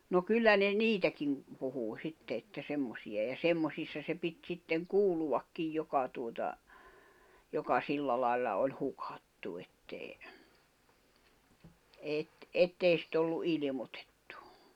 no kyllä ne niitäkin puhuu sitten että semmoisia ja semmoisissa se piti sitten kuuluakin joka tuota joka sillä lailla oli hukattu että ei - että ei sitä ollut ilmoitettu